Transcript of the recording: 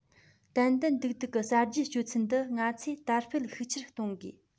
ཏན ཏན ཏིག ཏིག གི གསར བརྗེའི སྤྱོད ཚུལ འདི ང ཚོས དར སྤེལ ཤུགས ཆེན གཏོང དགོས